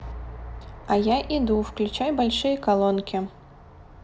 а я иду включай большие колонки